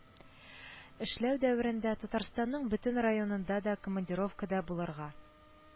Эшләү дәверендә Татарстанның бөтен районында да командировкада булырга